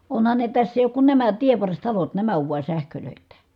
onhan ne tässä ei ole kuin nämä tienvarsitalot nämä on vain sähköittä